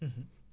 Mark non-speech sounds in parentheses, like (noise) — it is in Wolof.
(hesitation) (hesitation)